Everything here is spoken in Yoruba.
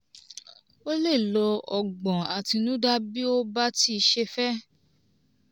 O lè lo ọgbọ́n àtinúdá bí ó bá ti ṣe fẹ́.